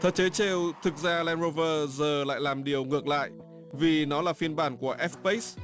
thật trớ trêu thực ra reng nô vơ giờ lại làm điều ngược lại vì nó là phiên bản của ét pếch